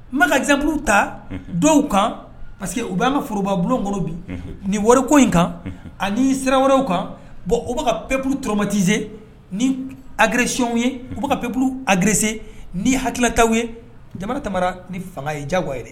Ma ka zsapuru ta dɔw kan parce que u bɛ anan ka forobabukolon bi ni wariko in kan ani sira wɛrɛw kan bɔn u ka pp tɔrɔmatizsee ni akireyw ye u bɛ ka pp agreesee ni hakililakaw ye jamana tara ni fanga ye jago yɛrɛ